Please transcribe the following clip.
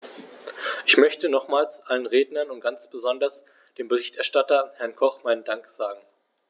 Ich möchte nochmals allen Rednern und ganz besonders dem Berichterstatter, Herrn Koch, meinen Dank sagen.